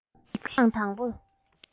གཞི རྐང དང པོ